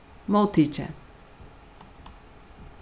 móttikið